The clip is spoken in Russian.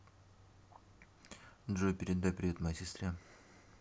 джой передай привет моей сестре